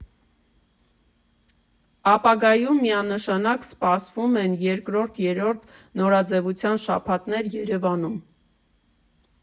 Ապաագայում միանշանակ սպասվում են երկրորդ, երրորդ նորաձևության շաբաթներ Երևանում։